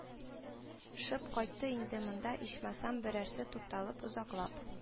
Шып кайтты, инде монда, ичмасам, берәрсе, тукталып озаклап